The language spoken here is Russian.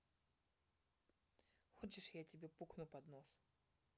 хочешь я тебе пукну под нос